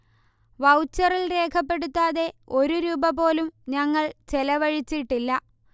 വൗച്ചറിൽ രേഖപ്പെടുത്താതെ ഒരു രൂപ പോലും ഞങ്ങൾ ചെലവഴിച്ചിട്ടില്ല